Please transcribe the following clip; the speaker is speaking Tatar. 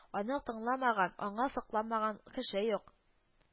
Аның тыңламаган, аңа сокланман кеше юк